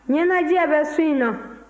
ɲɛnajɛ bɛ su in na